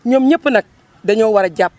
ñoom ñëpp nag dañoo war a jàpp